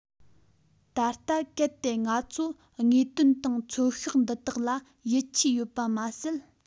ད ལྟ གལ ཏེ ང ཚོ དངོས དོན དང ཚོད དཔག འདི དག ལ ཡིད ཆེས ཡོད པ མ ཟད